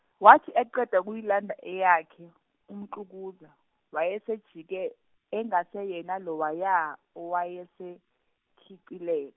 wathi eqeda ukuyilanda eyakhe, uMxukuza, wayesejike, engaseyena lowaya, owayesekhicile-.